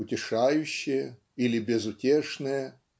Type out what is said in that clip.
утешающее или безутешное?